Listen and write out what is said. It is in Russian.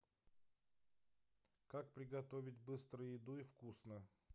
как приготовить быстро еду и вкусно